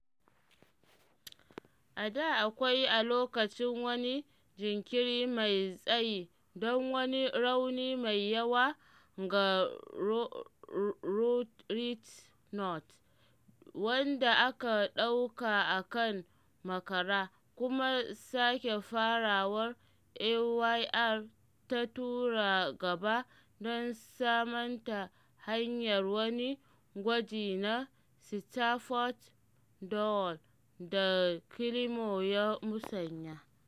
A da akwai a lokacin wani jinkiri mai tsayi don wani rauni mai yawa ga Ruaridh Knott, wanda aka ɗauka a kan makara, kuma sake farawar, Ayr ta tura gaba dan saman ta hanyar wani gwaji na Stafford McDowall, da Climo ya musanya.